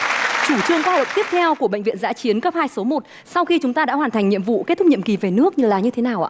chủ trương xã hội tiếp theo của bệnh viện dã chiến cấp hai số một sau khi chúng ta đã hoàn thành nhiệm vụ kết thúc nhiệm kỳ về nước là như thế nào ạ